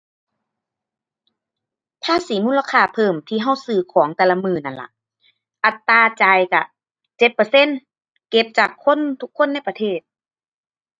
ภาษีมูลค่าเพิ่มที่เราซื้อของแต่ละมื้อนั่นล่ะ อัตราจ่ายเราเจ็ดเปอร์เซ็นต์ เก็บจากคนทุกคนในประเทศ